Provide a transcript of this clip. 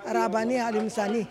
Arabanin alamisanin